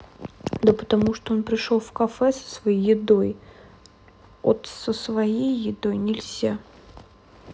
да потому что он пришел в кафе со своей едой от со своей едой нельзя